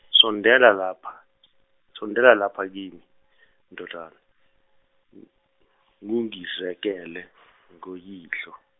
sondela lapha- sondela lapha kimi ndodana ng- ungizekele ngoyihlo.